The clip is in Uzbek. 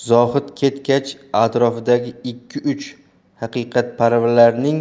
zohid ketgach atrofidagi ikki uch haqiqatparvarlarning